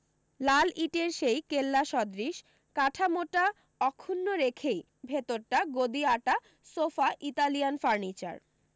লাল ইটের সেই কেল্লাসদৃশ কাঠামোটা অক্ষুণ্ণ রেখেই ভেতরটা গদি আঁটা সোফা ইতালিয়ান ফার্নিচার